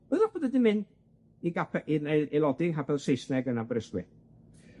bod o 'di mynd i gap- i ael- aelodi yng nghapel Saesneg yn Aberystwyth.